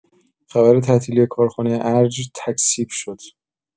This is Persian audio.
خبر تعطیلی کارخانه ارج تکذیب شد!